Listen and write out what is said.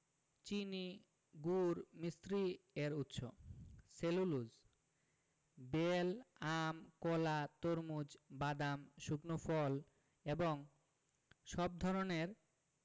চিনি গুড় মিছরি এর উৎস সেলুলোজ বেল আম কলা তরমুজ বাদাম শুকনো ফল এবং সব ধরনের